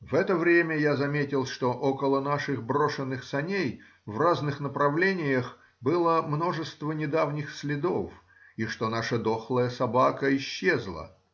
В это время я заметил, что около наших брошенных саней в разных направлениях было множество недавних следов и что наша дохлая собака исчезла.